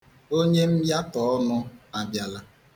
Onye myatọ ọnụ abịala